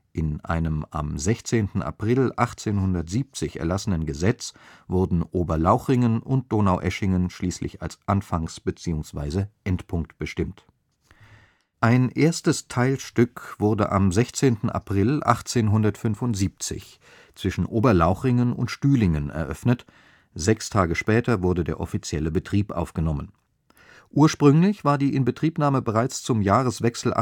In einem am 16. April 1870 erlassenen Gesetz wurden Oberlauchringen und Donaueschingen schließlich als Anfangs - bzw. Endpunkt bestimmt. Ein erstes Teilstück wurde am 16. April 1875 zwischen Oberlauchringen und Stühlingen eröffnet; sechs Tage später wurde der offizielle Betrieb aufgenommen. Ursprünglich war die Inbetriebnahme bereits zum Jahreswechsel